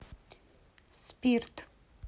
спирт